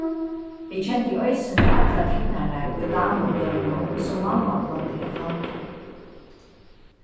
eg kendi eisini allar teknararnar í damubløðunum sum mamma plagdi at halda